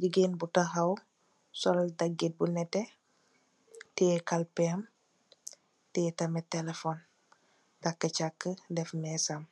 Jigeen but taxaw, sol daggit but nette, tiye kalpeem, tiye taamit telefon, takkë tam caxxa def meesam,